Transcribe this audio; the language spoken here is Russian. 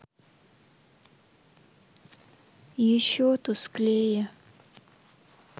еще тусклее